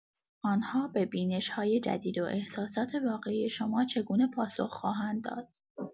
آن‌ها به بینش‌های جدید و احساسات واقعی شما چگونه پاسخ خواهند داد؟